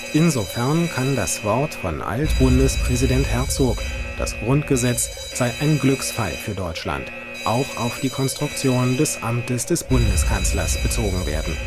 Insofern kann das Wort von Alt-Bundespräsident Herzog, das Grundgesetz sei ein Glücksfall für Deutschland, auch auf die Konstruktion des Amtes des Bundeskanzlers bezogen werden